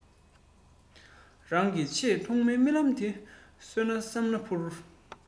རང གི ཆེས ཐོག མའི རྨི ལམ དེ འཚོལ བསམ ན འཕུར